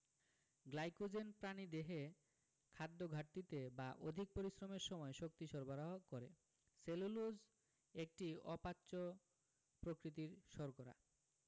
glycogen প্রাণীদেহে খাদ্যঘাটতিতে বা অধিক পরিশ্রমের সময় শক্তি সরবরাহ করে সেলুলোজ একটি অপাচ্য প্রকৃতির শর্করা